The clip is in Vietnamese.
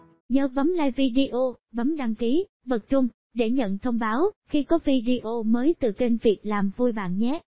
nhớ bấm like video bấm đăng ký và nhấn vào chuông để nhận thông báo khi có video mới từ kênh việc làm vui bạn nhé